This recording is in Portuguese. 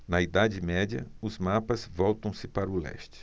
na idade média os mapas voltam-se para o leste